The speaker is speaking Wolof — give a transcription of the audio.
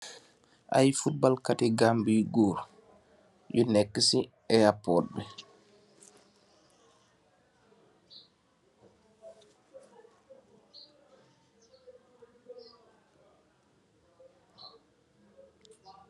Aye football kati Gambi yu goor, yu nek si airport bi.